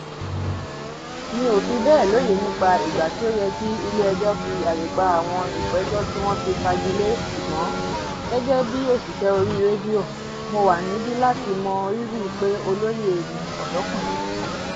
Mi ò fi bẹ́ẹ̀ lóye nípa ìgbà tí ó yẹ kí ilé ẹjọ́ fi àyè gba àwọn ìpẹ̀jọ́ tí wọn ti fagilé ṣùgbọ́n, gẹ́gẹ́ bíi òṣìṣẹ́ orí rédíò, mọ wà níbí láti mọrírì pé olóyè ni ọ̀dọ́kùnrin yìí.